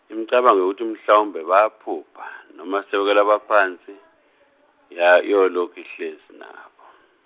imicabango yokuthi mhlawumbe bayaphupha noma sebekwelabaphansi ya i- yilokhu ihlezi nabo.